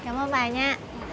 cảm ơn bà nha